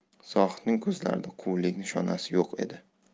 zohidning ko'zlarida quvlik nishonasi yo'q edi